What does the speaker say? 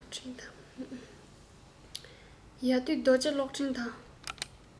ཡ བདུད རྡོ རྗེ གློག ཕྲེང དང